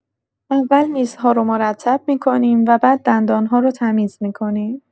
اول میزها رو مرتب می‌کنیم و بعد دندان‌ها رو تمیز می‌کنیم.